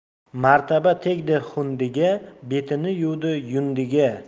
martaba tegdi hundiga betini yuvdi yundiga